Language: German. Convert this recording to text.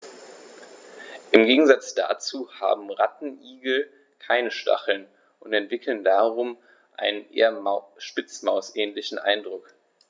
Im Gegensatz dazu haben Rattenigel keine Stacheln und erwecken darum einen eher Spitzmaus-ähnlichen Eindruck.